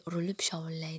urilib shovullaydi